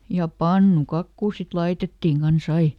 ja pannukakkua sitten laitettiin kanssa aina